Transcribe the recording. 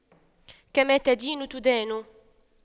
كما تدين تدان